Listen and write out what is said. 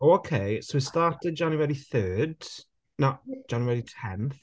Oh Ok. So it started January third. No January tenth.